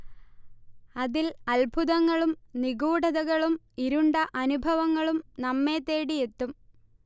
അതിൽ അത്ഭുതങ്ങളും നിഗൂഢതകളും ഇരുണ്ട അനുഭവങ്ങളും നമ്മേതേടിയെത്തും